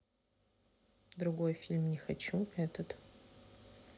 другой фильм не хочу этот